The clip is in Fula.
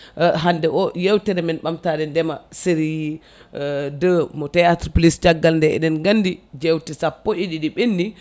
hande o yewtere men ɓamtare ndeema série 2 mo théâtre plus caggal nde eɗen gandi jewte sappo e ɗiɗi ɓenni